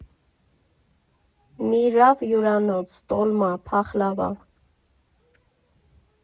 Միրհավ Հյուրանոց տոլմա, փախլավա։